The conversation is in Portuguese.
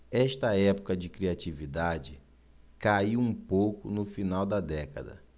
esta época de criatividade caiu um pouco no final da década